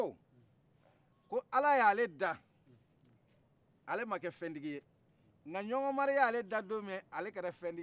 ale ma kɛ fɛntigi ye nka ɲɔngɔn mari y'ale dan don min ale kɛra fɛntigi ye o don